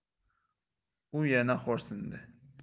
u yana xo'rsindi